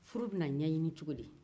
furu bɛne ɲɛɲini cogodi